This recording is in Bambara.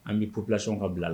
An be population ka bila la